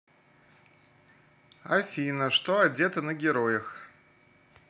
афина что одета на героях